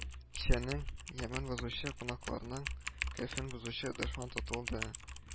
Кичәнең ямен бозучы, кунакларның кәефен бозучы дошман тотылды